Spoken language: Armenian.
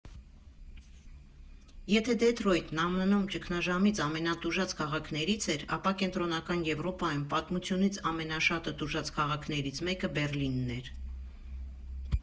Եթե Դեթրոյթն ԱՄՆ֊ում ճգնաժամից ամենատուժած քաղաքներից էր, ապա Կենտրոնական Եվրոպայում պատմությունից ամենաշատը տուժած քաղաքներից մեկը Բեռլինն էր։